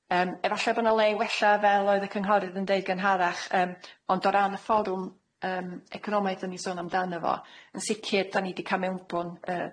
Yym efalle bo' 'na le wella fel oedd y cynghorydd yn deud gynharach. Yym, ond o ran y fforwm yym economaidd 'den ni'n sôn amdano fo, yn sicir 'dan ni di ca'l mewnbwn yy